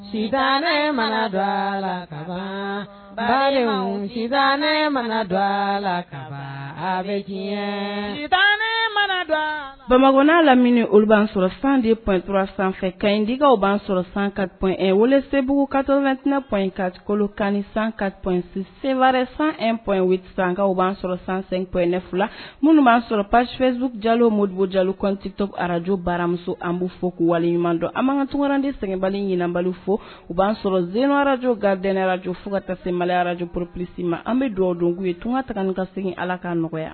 Bamakɔ n'a lamini olu bɛ'an sɔrɔ san de pur sanfɛ ka indiw b'an sɔrɔ san kape o sebugu katomɛtinɛ p in kati 1 san ka sen wɛrɛ sanp sankaw b'an sɔrɔ san sanpy nef minnu b'a sɔrɔ pasififɛzuru jalo mougu jalo cosito araraj baramuso anbu fɔ k' waleɲumandon an man cogoyaran de sɛgɛnbali ɲinanbali fo u b'an sɔrɔ zemarawj kadɛnraj fo ka taa se mali araj poropolisi ma an bɛ dugawu don'u ye tun ka taga ka segin ala ka nɔgɔya